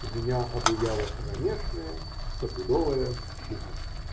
и меня обуяла кромешная, стопудовая скука.